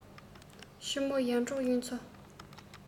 ཆུ མོ ཡར འབྲོག གཡུ མཚོ